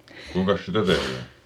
kuinkas sitä tehdään